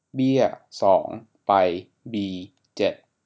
เบี้ยสองไปบีเจ็ด